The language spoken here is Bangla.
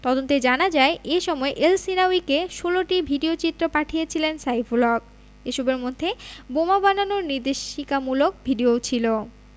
তদন্তে জানা যায় এ সময় এলসহিনাউয়িকে ১৬টি ভিডিওচিত্র পাঠিয়েছিলেন সাইফুল হক এসবের মধ্যে বোমা বানানোর নির্দেশিকামূলক ভিডিও ছিল